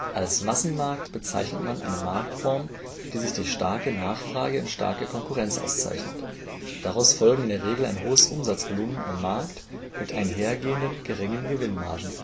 Als Massenmarkt bezeichnet man eine Marktform, die sich durch starke Nachfrage und starke Konkurrenz auszeichnet. Daraus folgen in der Regel ein hohes Umsatzvolumen am Markt mit einhergehenden geringen Gewinnmargen